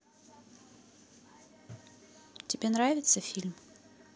тебе нравится фильм